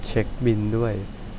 เช็คบิลด้วย